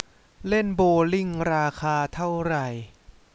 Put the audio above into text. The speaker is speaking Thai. เล่นโบว์ลิ่งราคาเท่าไหร่